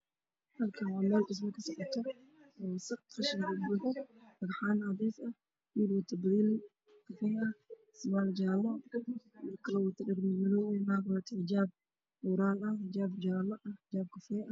Meeshan waxaa iiga muuqda niman iyo naago oo qurayaan la xumaan dhulka yaallaan oo sakaaleyaal haystaan